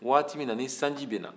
waati min na ni sanji bɛ na